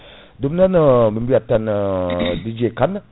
ɗum ɗon o min biyat tan Dj Kane